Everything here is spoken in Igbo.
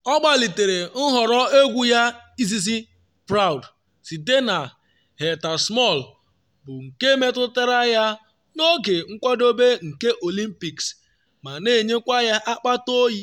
Ọ kpalitere nhọrọ egwu ya izizi - Proud site na Heather Small - bụ nke metụtara ya n’oge nkwadobe nke Olympics ma na-enyekwa ya akpata oyi.